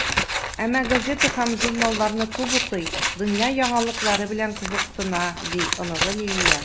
Әмма газета һәм журналларны күп укый, дөнья яңалыклары белән кызыксына, - ди оныгы Лилия.